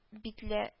Битлә